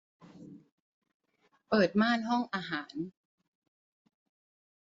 เปิดม่านห้องอาหาร